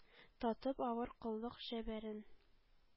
Татып авыр коллык җәберен